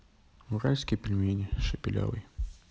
уральские пельмени шепелявый